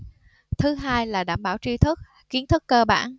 thứ hai là đảm bảo tri thức kiến thức cơ bản